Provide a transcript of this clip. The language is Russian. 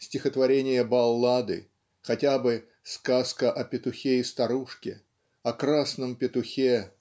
стихотворения-баллады хотя бы "Сказка с петухе и старушке" о красном петухе